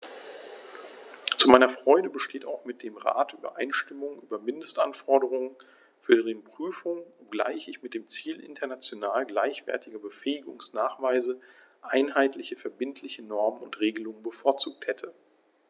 Zu meiner Freude besteht auch mit dem Rat Übereinstimmung über Mindestanforderungen für deren Prüfung, obgleich ich mit dem Ziel international gleichwertiger Befähigungsnachweise einheitliche verbindliche Normen und Regelungen bevorzugt hätte.